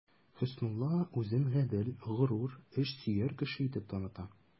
Хөснулла үзен гадел, горур, эшсөяр кеше итеп таныта.